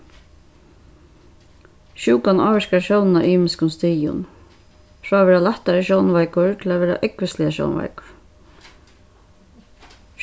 sjúkan ávirkar sjónina á ymiskum stigum frá at vera lættari sjónveikur til at vera ógvusliga sjónveikur